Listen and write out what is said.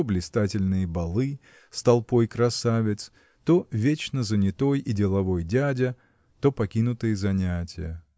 то блистательные балы с толпой красавиц то вечно занятой и деловой дядя то покинутые занятия.